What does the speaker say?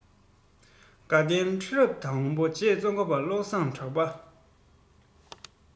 དགའ ལྡན ཁྲི རབས དང པོ རྗེ ཙོང ཁ པ བློ བཟང གྲགས པ